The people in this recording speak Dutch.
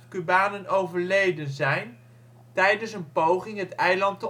Cubanen overleden zijn tijdens een poging het eiland